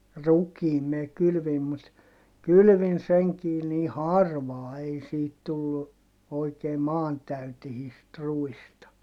rukiin minä kylvin mutta kylvin senkin niin harvaan ei siitä tullut oikein maantäyteistä ruista